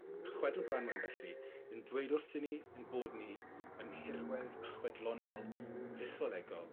chwedl Branwen felly yn dweud wrthyn ni 'yn bod ni yn nhirwedd chwedlonol fytholegol